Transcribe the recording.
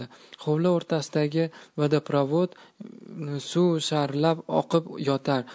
hovli o'rtasidagi vodoprovod jo'mragidan suv sharillab oqib yotar